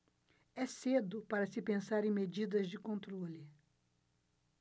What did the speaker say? é cedo para se pensar em medidas de controle